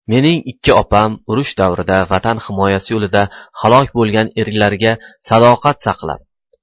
mening ikki opam urush davrida vatan himoyasi yo'lida halok bo'lgan erlariga sadoqat saqlab